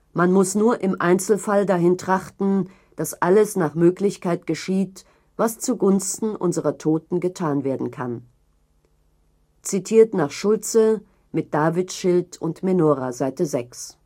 Man muss nur im Einzelfall dahin trachten, daß alles nach Möglichkeit geschieht, was zu Gunsten unserer Toten getan werden kann. “– Zitiert nach Schulze: Mit Davidsschild und Menora, S. 6